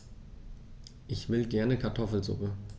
Ich will gerne Kartoffelsuppe.